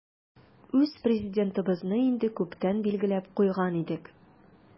Үз Президентыбызны инде күптән билгеләп куйган идек.